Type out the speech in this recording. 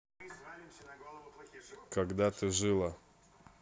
когда ты жила